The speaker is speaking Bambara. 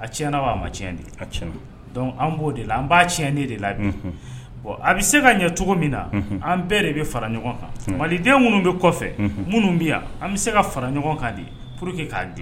A tiɲɛɲɛna' ma tiɲɛ de an b'o de la an b'a tiɲɛ de de la bi a bɛ se ka ɲɛ cogo min na an bɛɛ de bɛ fara ɲɔgɔn kan mali den minnu bɛ kɔfɛ minnu bɛ yan an bɛ se ka fara ɲɔgɔn kan di ye pur que k ka'a di